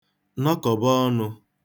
nọkọ̀ba ọnū